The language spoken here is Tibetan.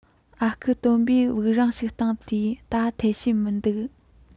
ཨ ཁུ སྟོན པས དབུགས རིང ཞིག བཏང སྟེ ད ཐབས ཤེས མིན འདུག